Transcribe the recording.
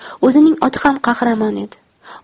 o'zining oti ham qahramon edi